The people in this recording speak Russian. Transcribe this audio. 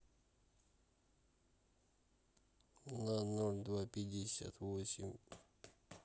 на ноль два пятьдесят восемь